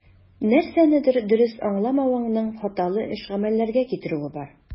Нәрсәнедер дөрес аңламавыңның хаталы эш-гамәлләргә китерүе бар.